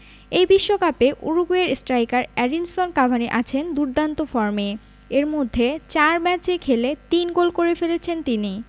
এই বিশ্বকাপে উরুগুয়ের স্ট্রাইকার এডিনসন কাভানি আছেন দুর্দান্ত ফর্মে এর মধ্যে ৪ ম্যাচে খেলে ৩ গোল করে ফেলেছেন তিনি